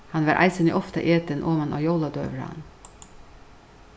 hann var eisini ofta etin oman á jóladøgurðan